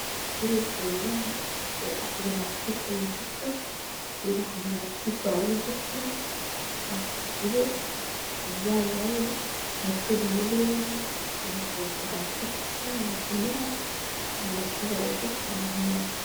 Wa surwaal oo dhexda laastiig ooga jiro lugahana laastiig ooga jiro waa qaxwo surwaal waaye xargana wuu leeyahay hadaa rabto wagabsan kartaa lugaha iyo dhexdana lastiig aa ogajiro